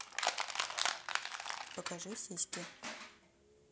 покажи сиськи